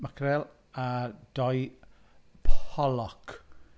Mackerel a... dou pollock.